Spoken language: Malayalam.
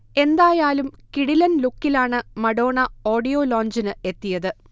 എന്തായാലും കിടിലൻ ലുക്കിലാണ് മഡോണ ഓഡിയോ ലോഞ്ചിന് എത്തിയത്